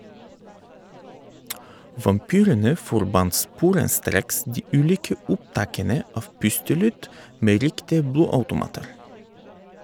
Vampyrene forbant sporenstreks de ulike opptakene av pustelyd med riktige blodautomater.